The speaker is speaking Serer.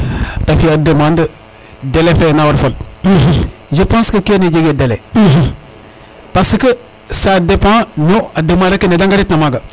te fi a demande delais na waru fod je pense que kene jege delais parce que ca depend no a demande ake nede ngarit na maga